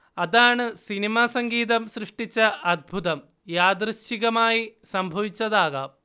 അതാണ് സിനിമാസംഗീതം സൃഷ്ടിച്ച അദ്ഭുതം യാദൃച്ഛികമായി സംഭവിച്ചതാകാം